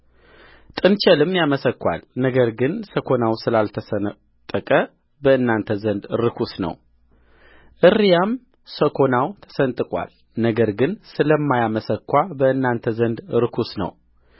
ጥንቸልም ያመሰኳል ነገር ግን ሰኮናው ስላልተሰነጠቀ በእናንተ ዘንድ ርኩስ ነውእርያም ሰኮናው ተሰንጥቋል ነገር ግን ስለማያመሰኳ በእናንተ ዘንድ ርኩስ ነው